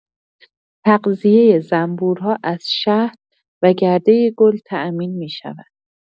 تغذیه زنبورها از شهد و گرده گل تأمین می‌شود.